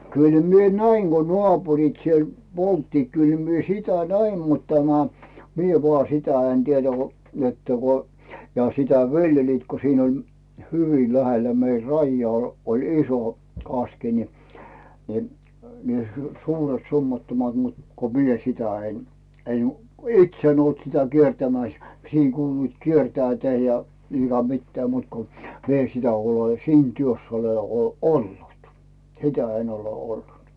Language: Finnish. kyllä minä näin kun naapurit siellä polttivat kyllä minä sitä näin mutta tämä minä vain sitä en tiedä kun että kun ja sitä viljelivät kun siinä oli hyvin lähellä meidän rajaa oli iso kaski niin niin niin suuret summattomat mutta kun minä sitä en en itse en ollut sitä kiertämässä siinä kuuluivat kiertävän ja niin - mitään muuta kuin minä en sitä ole siinä työssä ole ole ollut sitä en ole ollut